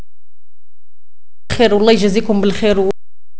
الله يجزيكم بالخير